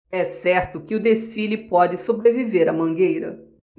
é certo que o desfile pode sobreviver à mangueira